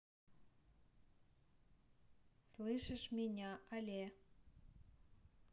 слышишь меня але